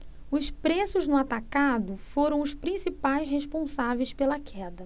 os preços no atacado foram os principais responsáveis pela queda